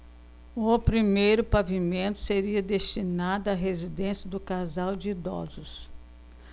o primeiro pavimento seria destinado à residência do casal de idosos